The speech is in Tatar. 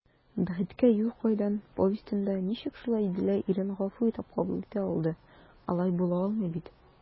«бәхеткә юл кайдан» повестенда ничек шулай дилә ирен гафу итеп кабул итә алды, алай була алмый бит?»